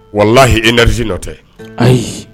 Walahie daz nɔ tɛ ayi